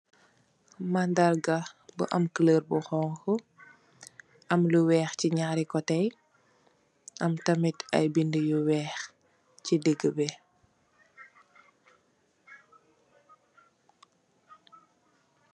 Mandarga bu am kuloor bu xoñxu, am lu weex ci ñaari kotte yi, am tamit ay bindë yu weex ci diggë bi.